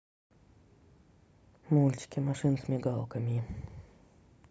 мультики машинки с мигалками